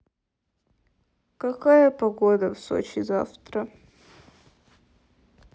какая погода в сочи завтра